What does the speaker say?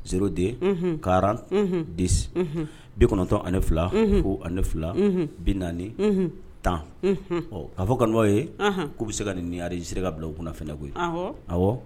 Szoden ka di bi kɔnɔntɔn ani fila ko ani fila bi naani tan ɔ kaa fɔ kanu ye k'u bɛ se ka ninri sera ka bila kunna fana koyi ɔwɔ